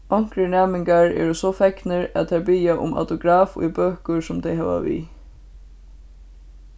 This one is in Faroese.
onkrir næmingar eru so fegnir at teir biðja um autograf í bøkur sum tey hava við